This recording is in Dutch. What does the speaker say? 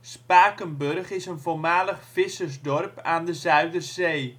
Spakenburg is een voormalig vissersdorp aan de Zuiderzee.